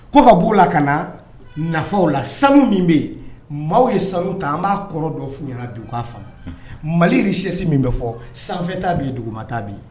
Ko ka bɔ o la ka na nafaw la , sanu min bɛ yen, maaw ye sanu ta, an b'a kɔrɔ dɔ f'u ɲɛna bi u k'a faamu, Mali richesse min bɛ fɔ sanfɛ ta bɛ ye duguma ta bɛ yen.